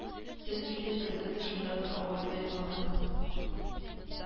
Төн иде, кердем дә шунда бер агайда йокладым